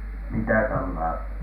mitä kalaa